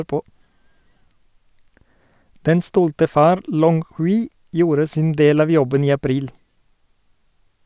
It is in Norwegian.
Den stolte far Long Hui gjorde sin del av jobben i april.